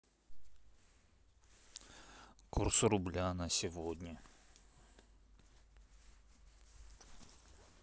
курс рубля на сегодня